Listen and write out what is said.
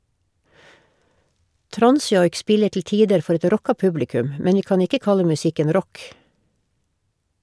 Transjoik spiller til tider for et rocka publikum, men vi kan ikke kalle musikken rock.